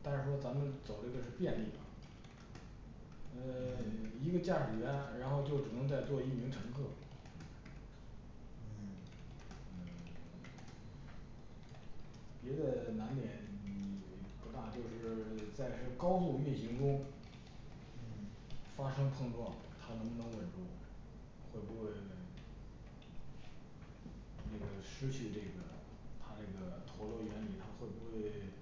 嗯但是说咱们走这个是便利啊呃 一个驾驶员然后就只能再坐一名乘客嗯嗯 别的难点嗯 也不大，就是在是高速运行中发生碰撞，他能不能稳住会不会 那个失去这个他这个陀螺原理他会不会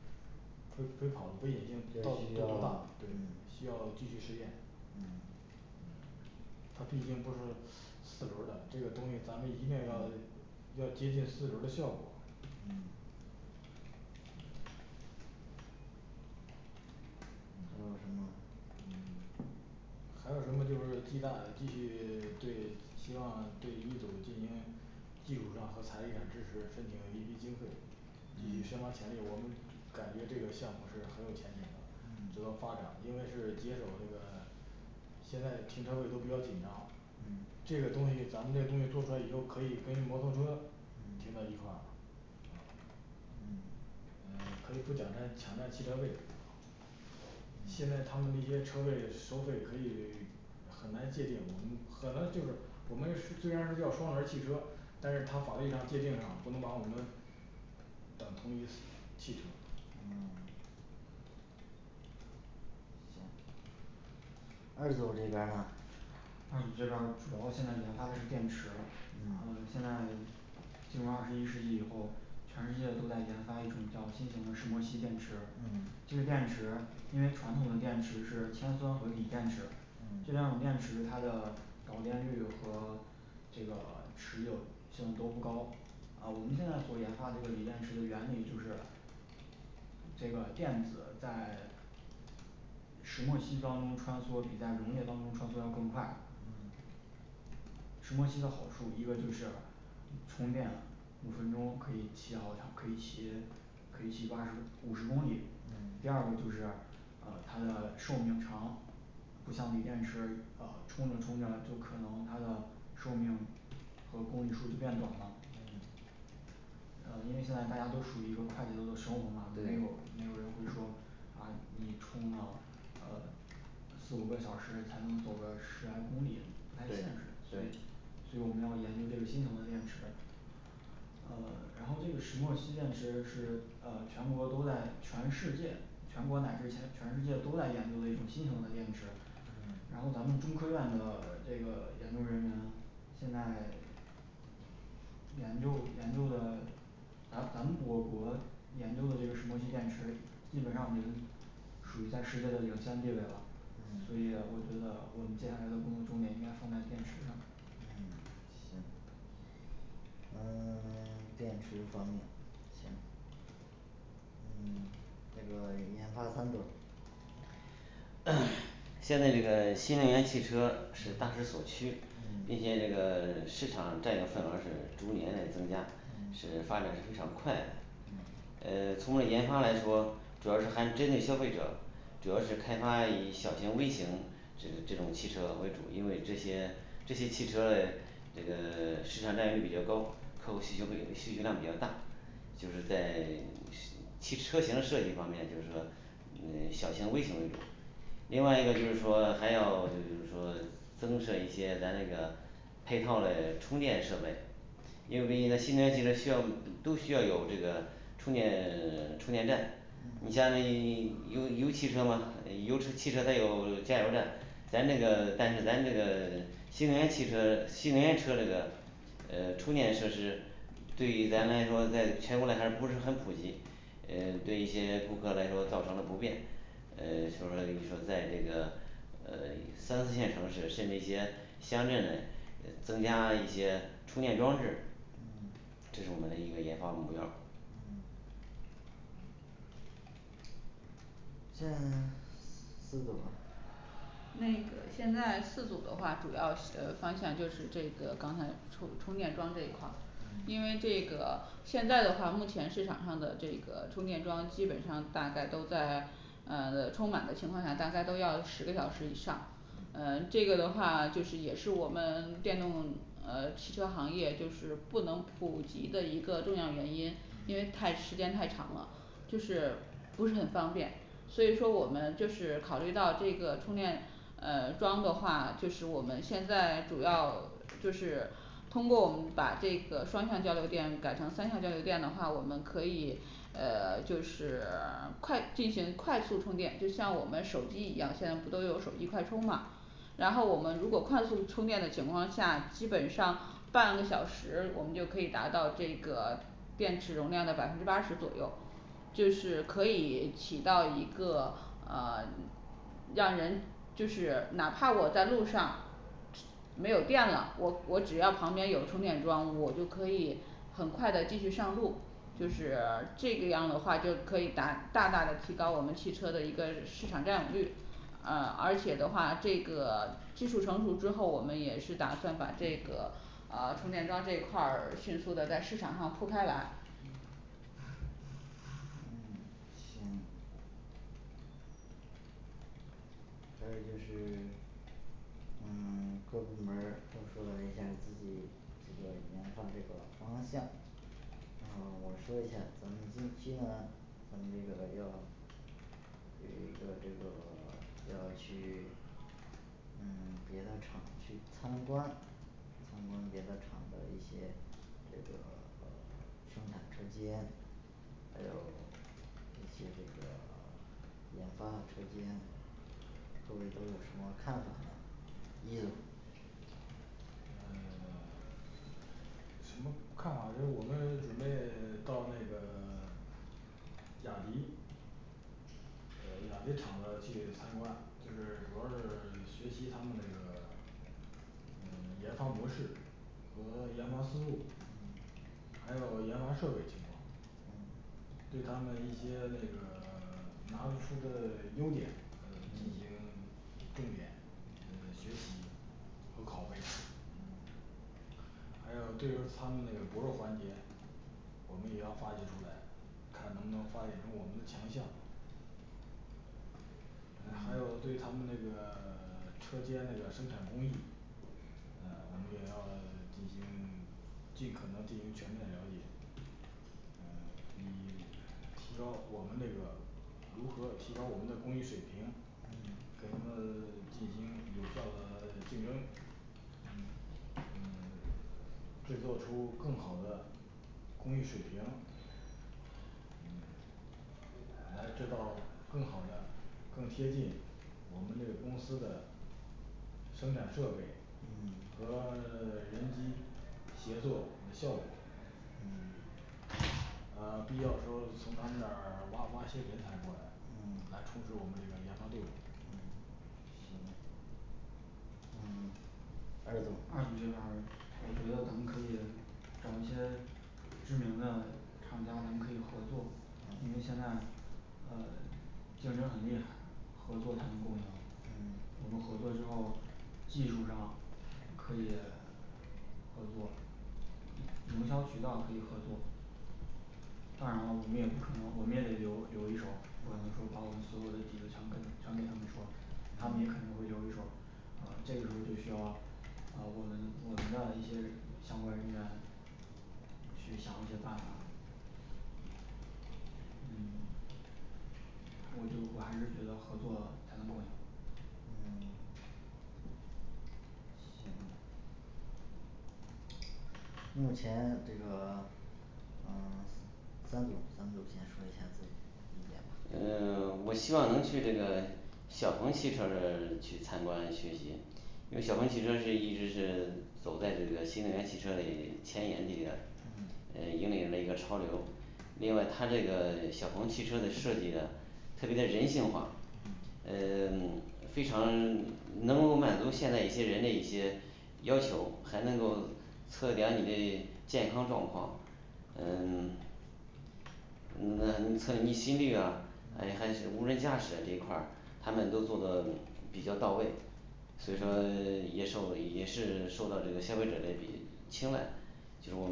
车飞跑危险性到需到多要大对需要继续试验嗯嗯它毕竟不是四轮儿的这个东西咱们一定要 要接近四轮儿的效果嗯嗯还有什么嗯还有什么呢就是记大继续 对希望对一组儿进行技术上和财力上支持申请一笔经费继续深挖潜力我们感觉这个项目是很有前景的值嗯得发展因为是节省这个 现在这停车位都比较紧张嗯这个东西咱们这个东西做出来以后，可以跟摩托车停到一块儿哦嗯呃可以不抢占抢占汽车位现在他们那些车位收费可以 很难界定我们，很难就是我们是虽然是叫双轮儿汽车但是他法律上界定上不能把我们等同于汽车嗯行二组儿这边儿呢二组儿这边儿主要现在研发的是电池嗯呃现在进入二十一世纪以后全世界都在研发一种叫新型的石墨烯电池嗯这个电池因为传统的电池是铅酸和锂电池这嗯两种电池它的导电率和 这个 持久性都不高啊我们现在所研发这个锂电池的原理就是这个电子在 石墨烯当中穿梭，比在溶液当中穿梭要更快。嗯石墨烯的好处一个就是充电五分钟可以骑好长可以骑可以骑八十五五十公里嗯第二个就是呃它的寿命长不像锂电池呃充着充着，就可能它的寿命和公里数儿就变短了嗯呃因为现在大家都处于一个快节奏的生活嘛，没有没有人会说啊你充了呃四五个小时才能走个十来公里不太现对实所以对所以我们要研究这个新型的电池呃然后这个石墨烯电池是呃全国都在全世界全国乃至全全世界都在研究的一种新型的电池嗯然后咱们中科院的这个研究人员现在 研究研究的 咱们咱们我国研究的这个石墨烯电池基本上已经属于在世界的领先地位了嗯所以我觉得我们接下来的工作重点应该放在电池上嗯行嗯 电池方面行嗯那个研发三组 像那个新能源汽车是大势所趋，嗯并且那个市场占有份额儿是逐年的增加嗯是发展非常快的嗯哎通过研发来说主要是还是针对消费者主要是开发以小型微型指这种汽车为主，因为这些这些汽车嘞这个 市场占有比较高，客户需求需求量比较大就是在 汽车型设计方面就是说嗯小型为主另外一个就是说还要就是说增设一些咱那个配套的充电设备因为你的新能源都需要都 都需要有这个充电呃 充电站你像嗯那油油汽车嘛油汽车它有加油站咱这个但是咱这个新能源汽车的新能源车这个呃充电设施对于咱们来说在全国来看不是很普及呃对一些顾客来说造成了不便呃 就是说你说在这个呃 三四线城市甚至一些乡镇增加一些充电装置嗯这是我们的一个研发目标儿嗯再 四组那个现在四组的话主要是方向就是这个刚才充充电桩这一块儿嗯因为这个现在的话，目前市场上的这个充电桩基本上大概都在呃充满的情况下，大概都要十个小时以上呃这个的话就是也是我们电动呃汽车行业就是不能普及的一个重要原因因为太时间太长了就是不是很方便所以说我们就是考虑到这个充电呃装的话，就是我们现在主要就是通过我们把这个双向交流电改成三项交流电的话我们可以呃就是快进行快速充电，就像我们手机一样，现在不都有手机快充嘛。然后我们如果快速充电的情况下基本上半个小时我们就可以达到这个电池容量的百分之八十左右就是可以起到一个呃 让人就是哪怕我在路上没有电了我我只要旁边有充电桩我就可以很快的继续上路就是这个样的话就可以达大大的提高我们汽车的一个市场占有率啊而且的话这个 技术成熟之后，我们也是打算把这个啊充电桩这一块儿迅速的在市场上铺开来。嗯行还有就是嗯 各部门儿都说了一下自己呃研发这个方向呃我说一下咱们近期呢咱们那个要那个这个 要去嗯 别的厂去参观参观别的厂的一些这个生产车间还有去这个 研发车间说说都有什么看法一组呃 什么看法？就是我们准备到那个 雅迪呃雅迪厂呢去参观就是主要是学习他们这个 呃研发模式和研发思路还有研发设备情况对他们的一些那个 拿得出的 优点呃进行 重点呃学习和拷贝嗯还有对于他们那个薄弱环节我们也要发掘出来看能不能发现出我们的强项哎还有对他们那个 车间那个生产工艺呃我们也要进行尽可能进行全面的了解呃 低 提高我们这个如何提高我们的工艺水平给他们进行有效的竞争呃制作出更好的工艺水平嗯来制造更好的更贴近我们那个公司的生产设备嗯和 人机协作那效果嗯呃必要的时候儿从他们那儿挖挖些人才过来嗯来充实我们这个研发队伍嗯行那么二组二组这边儿我觉得咱们可以找一些知名的厂家咱们可以合作因为现在呃 竞争很厉害合作才能共赢嗯我们合作之后技术上可以 合作一 营销渠道可以合作当然了我们也不可能我们也得留留一手儿，不可能说把我们所有的底子全跟全给他们说他们也肯定会留一手儿呃这个时候儿就需要呃我们我们的一些相关人员去想一些办法嗯 我就我还是觉得合作才能共赢嗯行目前这个 呃 三组，三组先说一下字怎么检的呃 我希望能去这个小鹏汽车这去参观学习因为小鹏汽车是一直是走在你的新能源汽车的前沿地段嗯嗯引领了一个潮流另外他这个小鹏汽车的设计呢特别的人性化嗯嗯 非常的能够满足现在一些人的一些要求还能够测量你的健康状况嗯 能 测你心律呀嗯还有还有无人驾驶这一块儿他们都做的比较到位所以说也受也是受到这个消费者的一青睐就 我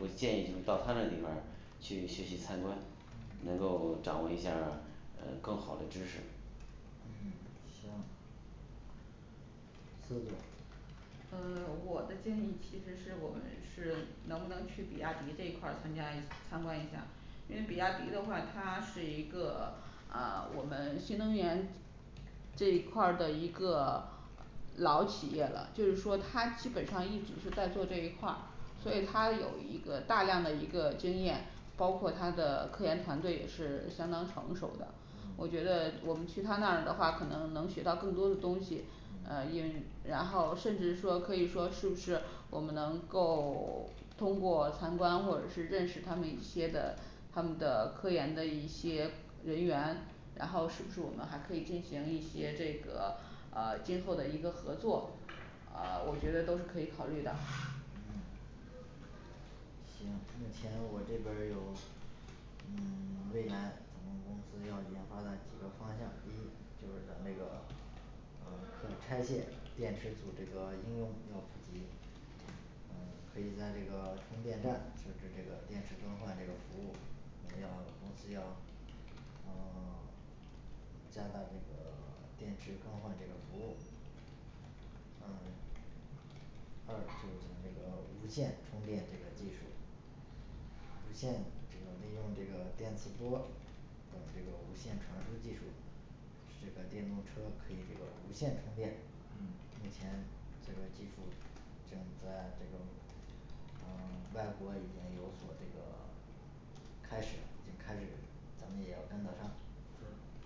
我建议就是到他那地方儿去学习参观嗯能够掌握一下儿呃更好的知识嗯行四组呃我的建议其实是我们是能不能去比亚迪这块儿参加参观一下因为比亚迪的话它是一个 啊我们新能源这一块儿的一个老企业了，就是说他基本上一直是在做这一块儿所以它有一个大量的一个经验包括他的科研团队也是相当成熟的我嗯觉得我们去他那儿的话可能能学到更多的东西呃嗯因为然后甚至说可以说是不是我们能够 通过参观或者是认识他们一些的他们的科研的一些人员然后是不是我们还可以进行一些这个啊今后的一个合作啊我觉得都是可以考虑的嗯行，目前我这边儿有嗯 未来咱们公司要研发的几个方向，第一就是咱们这个 呃可拆卸电池组这个应用要普及嗯可以在这个充电站去置这个电池更换这个服务我们要公司要呃 加大这个 电池更换这个服务呃 二是我们这个无线充电这个技术无线这个利用这个电磁波儿呃这个无线传输技术使这个电动车可以这个无线充电嗯目前这个技术停留在这个嗯 外国已经有所这个 开始了已经开始咱们也要跟得上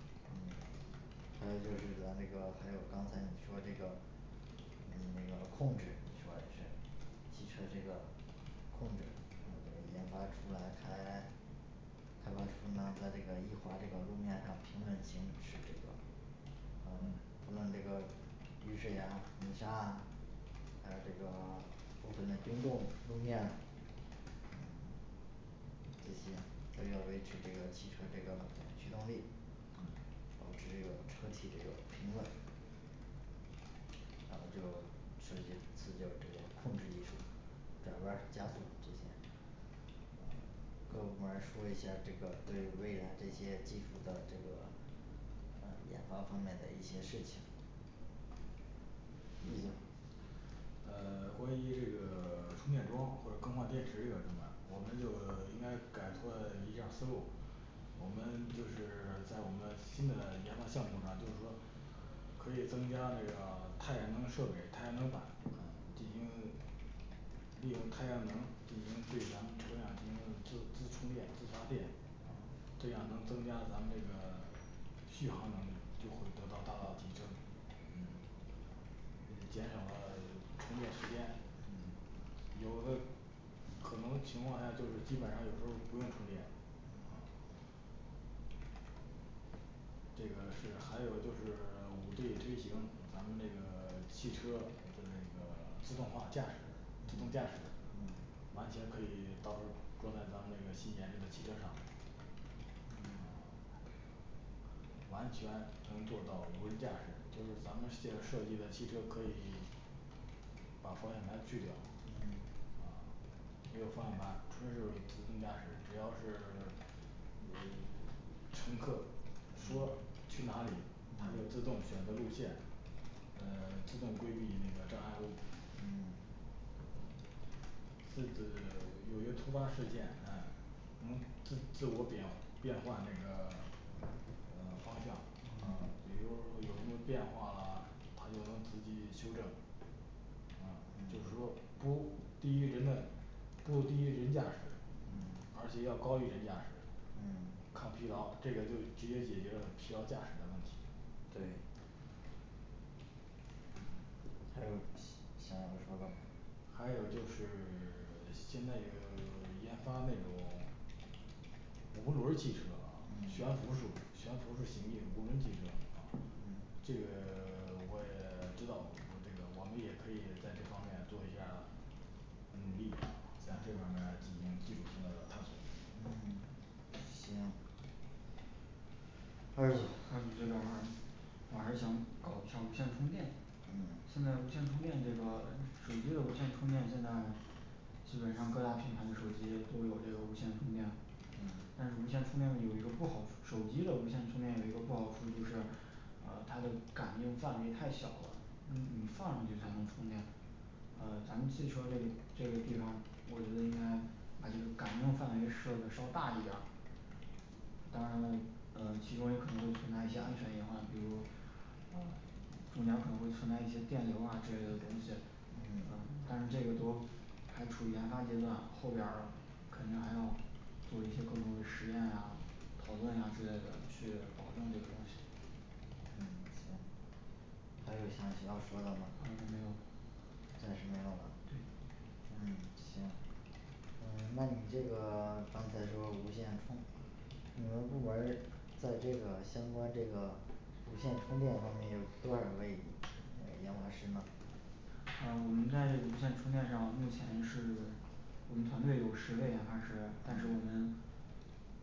是嗯还有就是咱这个还有刚才你说这个嗯 这个控制你说的是汽车这个控制嗯 研发出来开 开发部门儿的这个易滑这个路面上平稳行驶这个嗯咱们这个雨水啊雨山啊还有这个 部分的冰冻路面儿嗯这些都要维持这个汽车这个驱动力嗯保持这个车体这个平稳然后就直接呼叫这个控制意识转弯儿加速这些各部门儿说一下这个对未来这些技术的这个嗯研发方面的一些事情一组嗯呃 关于这个充电桩或者更换电池这个什么的我们就应该改拓一下儿思路我们就是在我们新的研发项目上就是说可以增加这个太阳能设备太阳能板嗯进行利用太阳能进行对咱们车辆进行自自充电自发电哦这样能增加咱们这个 续航能力就会得到大大提升嗯呃减少了充电时间嗯有的可能情况下就是基本上有时候儿不用充电哦这个是还有就是五G推行咱们这个汽车的那个自动化驾驶自动驾驶嗯完全可以到时候儿装在咱们那个新研制的汽车上嗯完全能做到无人驾驶，就是咱们现在设计的汽车可以把方向盘去掉嗯啊没有方向盘，纯是自动驾驶只要是 呃 乘客说去哪里它就嗯自动选择路线呃自动规避那个障碍物嗯能自自我表 变换那个呃方向呃比如说有那个变化啊它就能自己修正嗯就是嗯说不低于人类不低于人驾驶嗯而且要高于人驾驶嗯抗疲劳这个就直接解决了疲劳驾驶的问题对还有其其他要说的吗还有就是 现在有 研发那种 无轮儿汽车啊悬嗯浮式悬浮式行进无轮汽车啊这个 我也 知道我这个我们也可以在这方面做一下儿努力啊，向这方面儿进行技术性的探索嗯行二组二组这边儿我还是想搞一下儿无线充电嗯现在无线充电这个手机的无线充电现在基本上各大品牌的手机都有这个无线充电嗯但是无线充电呢有一个不好处 手机的无线充电有一个不好处就是呃它的感应范围太小了嗯你放上去才能充电呃咱们汽车这个这个地方我觉得应该把这个感应范围设的稍大一点儿当然了呃其中也可能会存在一些安全隐患比如呃中间儿可能会存在一些电流儿啊之类的东西嗯嗯但是这个都还处于研发阶段后边儿肯定还要做一些更多的实验啊讨论呀之类的去保证这个东西嗯行还有其他需要说的吗嗯没有了暂时没有了对嗯行嗯那你这个 刚才就无线充值你们部门儿在这个相关这个无线充电方面有多少位呃研发师呢啊我们在无线充电上目前是我们团队有十位研发师但是我嗯们